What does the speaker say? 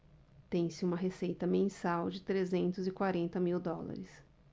tem-se uma receita mensal de trezentos e quarenta mil dólares